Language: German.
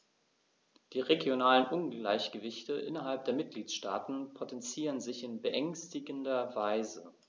Die regionalen Ungleichgewichte innerhalb der Mitgliedstaaten potenzieren sich in beängstigender Weise.